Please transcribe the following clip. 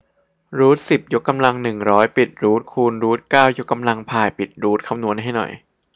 รูทสิบยกกำลังหนึ่งร้อยปิดรูทคูณรูทเก้ายกกำลังพายปิดรูทคำนวณให้หน่อย